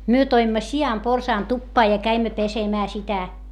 me toimme sianporsaan tupaan ja kävimme pesemään sitä